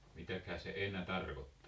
mitähän se enä tarkoittaa